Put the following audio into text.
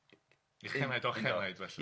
Uchennaid o uchennaid felly?